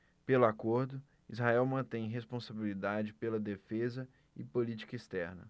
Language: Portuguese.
pelo acordo israel mantém responsabilidade pela defesa e política externa